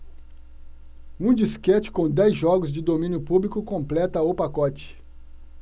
um disquete com dez jogos de domínio público completa o pacote